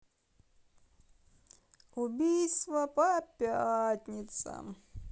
убийство по пятницам